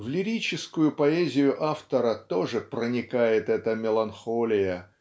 в лирическую поэзию автора тоже проникает эта меланхолия